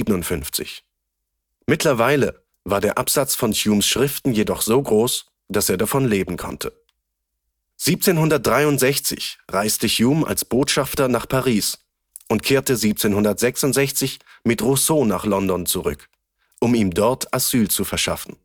1757. Mittlerweile war der Absatz von Humes Schriften jedoch so groß, dass er davon leben konnte. 1763 reiste Hume als Botschafter nach Paris und kehrte 1766 mit Rousseau nach London zurück, um ihm dort Asyl zu verschaffen